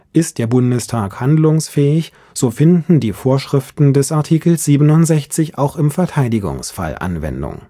Ist der Bundestag handlungsfähig, so finden die Vorschriften des Artikels 67 auch im Verteidigungsfall Anwendung